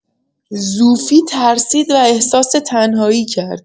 زوفی ترسید و احساس تنهایی کرد.